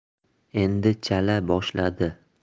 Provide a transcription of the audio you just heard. endi chala boshladi